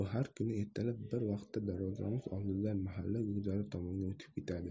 u har kuni ertalab bir vaqtda darvozamiz oldidan mahalla guzari tomonga o'tib ketadi